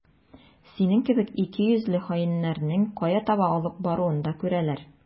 Синең кебек икейөзле хаиннәрнең кая таба алып баруын да күрәләр.